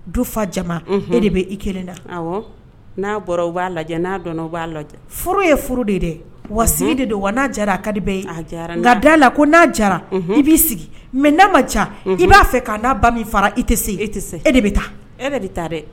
Du fa jama ne de bɛ i kelen la n'a bɔra b'a lajɛ n'a dɔn o b'a lajɛ furu ye furu de dɛ wa de don wa n'a jara ka di bɛ' jara ka da la ko n'a jara i b'i sigi mɛ ne ma ca i b'a fɛ'a ba min fara i tɛ segin e tɛ se e de bɛ taa e bɛ taa dɛ